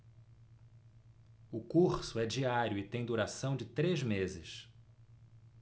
o curso é diário e tem duração de três meses